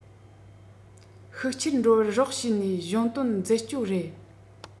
ཤུགས ཆེར འགྲོ བར རོགས བྱས ནས གཞུང དོན འཛད སྤྱོད རེད